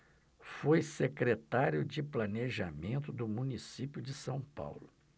foi secretário de planejamento do município de são paulo